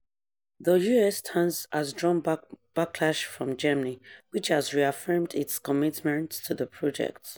The US stance has drawn backlash from Germany, which has reaffirmed its commitment to the project.